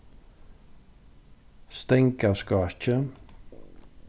stangaskákið